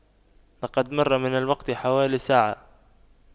لقد مر من الوقت حوالي ساعة